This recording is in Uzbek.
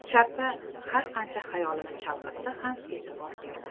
sharpa har qancha xayolini chalg'itsa ham e'tibor bermadi